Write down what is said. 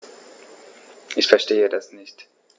Ich verstehe das nicht.